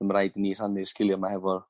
ma' raid i ni rhannu'r sgilia 'ma hefo